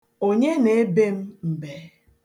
Onye na-ebe m mbe?